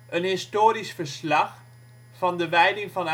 historisch verslag van de wijding van